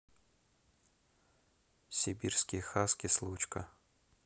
сибирские хаски случка